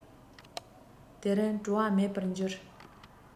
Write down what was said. དེ རིང བྲོ བ མེད པར འགྱུར